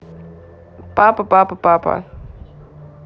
папа папа папа